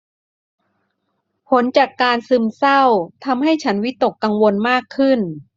ผลจากการซึมเศร้าทำให้ฉันวิตกกังวลมากขึ้น